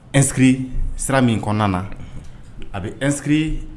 Siriri sira min kɔnɔna na a bɛ ssiriri